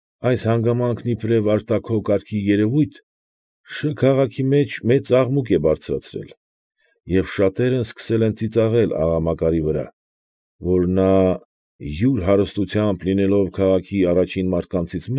Այս հանգամանքն, իբրև արտաքո կարգի երեվույթ, Շ… քաղաքի մեջ մեծ աղմուկ է բարձրացրել և շատերն սկսել են ծիծաղել աղա Մակարի վրա, որ նա, յուր հարստությամբ լինելով քաղաքի առաջին մարդկանցից։